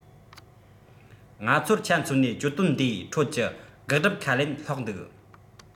ང ཚོར ཆ མཚོན ནས གྱོད དོན འདིའི ཁྲོད ཀྱི དགག སྒྲུབ ཁ ལན སློག འདུག